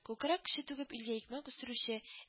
Күкрәк көче түгеп илгә икмәк үстерүче